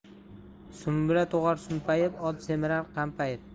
sumbula tug'ar sumpayib ot semirar qampayib